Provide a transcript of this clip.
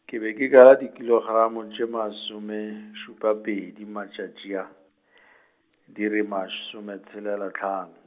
ke be ke kala dikilogramo tše masomešupapedi matšatši a , di re masometshelelahlano.